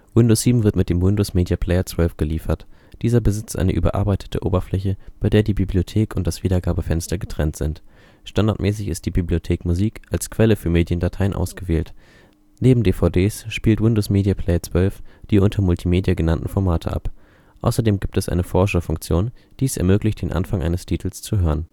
Windows 7 wird mit dem Windows Media Player 12 geliefert. Dieser besitzt eine überarbeitete Oberfläche, bei der die Bibliothek und das Wiedergabefenster getrennt sind. Standardmäßig ist die Bibliothek Musik als Quelle für Mediendateien ausgewählt. Neben DVDs spielt Windows Media Player 12 die unter Multimedia genannten Formate ab. Außerdem gibt es eine Vorschaufunktion, die es ermöglicht, den Anfang eines Titels zu hören